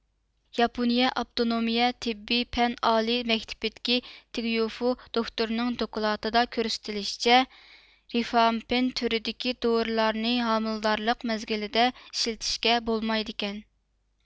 ياپونىيە ئاپتونومىيە تېببىي پەن ئالىي مەكتىپىدىكى تېگيوفو دوكتورنىڭ دوكلاتىدا كۆرسىتىلىشىچە رىفامپىن تۈرىدىكى دورىلارنى ھامىلىدارلىق مەزگىلىدە ئىشلىتىشكە بولمايدىكەن